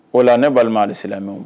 O la ne balima alisime